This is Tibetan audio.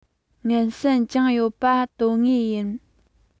ངན སེམས བཅངས ཡོད པ དོན དངོས ཡིན